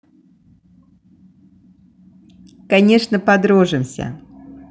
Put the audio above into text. конечно подружимся